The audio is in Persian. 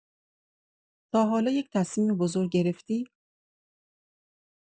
تا حالا یه تصمیم بزرگ گرفتی؟